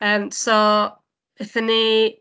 Yym, so aethon ni...